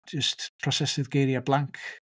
Jyst prosesu'r geiriau blank.